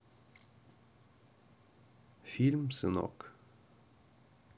фильм сынок